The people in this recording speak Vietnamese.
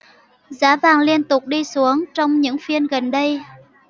giá vàng liên tục đi xuống trong những phiên gần đây